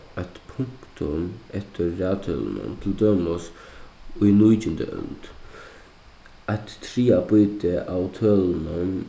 eitt punktum eftir raðtølunum til dømis í nítjandu øld eitt triðja býti av tølunum